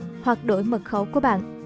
hoặc đổi mật khẩu của bạn